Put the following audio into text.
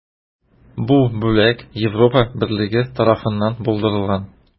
Бу бүләк Европа берлеге тарафыннан булдырылган.